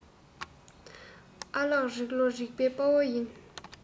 ཨ ལག རིག ལོ རིག པའི དཔའ བོ ཡིན